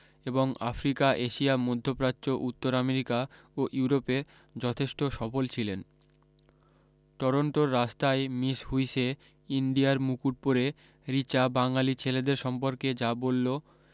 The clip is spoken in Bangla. এবং আফ্রিকা এশিয়া মধ্য প্রাচ্য উত্তর আমেরিকা ও ইউরোপে যথেষ্ঠ সফল ছিলেন টরোন্টোর রাস্তায় মিস হুইসে ইন্ডিয়ার মুকুট পরে রিচা বাঙালী ছেলেদের সম্পর্কে যা বলল